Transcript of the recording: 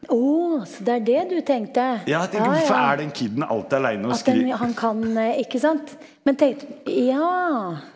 å så det er det du tenkte ja at den han kan ikke sant, men ja.